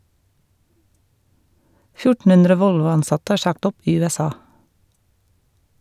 1400 Volvo-ansatte er sagt opp i USA.